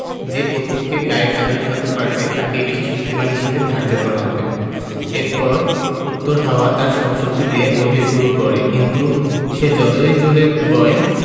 যে পথিকে গায়ের চাদর খোলাতে পারবে তাকেই বেশি শক্তিমান হিসেবে ধার্য করা হবে এরপর উত্তর হাওয়া তার সব শক্তি দিয়ে বইতে শুরু করে কিন্তু সে যতই জোড়ে বয়